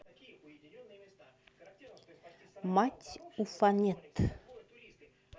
мать уфанет